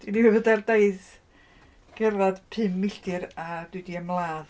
Dwi 'di bod ar daith gerddad pum milltir, a dwi 'di ymladd.